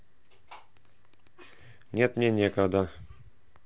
нет мне некогда